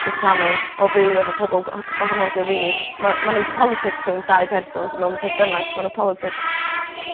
jyst rhan o o fyw efo pobol gwaha- gwahanol 'di o rili. Ma' ma' 'na m- politics rhwng dau person sy mewn perthynas ma' 'na politics